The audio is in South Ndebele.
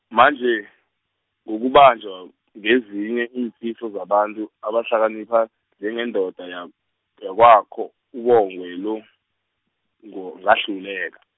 manje, ngokubanjwa ngezinye iimfiso zabantu abahlakanipha njengendoda ya- yakwakho uBongwe lo, ngo ngahluleka.